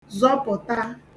zọpụ̀ta